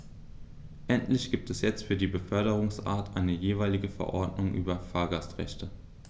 Endlich gibt es jetzt für jede Beförderungsart eine jeweilige Verordnung über Fahrgastrechte.